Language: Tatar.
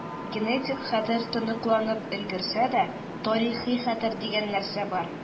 Генетик хәтер тоныкланып өлгерсә дә, тарихи хәтер дигән нәрсә бар.